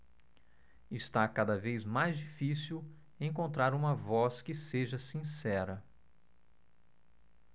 está cada vez mais difícil encontrar uma voz que seja sincera